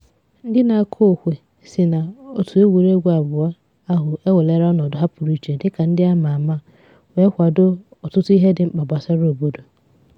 Ndị na-akụ okwe sị n'òtù egwuregwu abụọ ndị ahụ ewerela ọnọdụ ha pụrụ iche dịka ndị àmà àmá wee kwado ọtụtụ ihe dị mkpa gbasara obodo.